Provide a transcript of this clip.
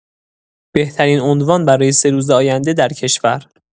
بهترین عنوان برای سه روز آینده در کشور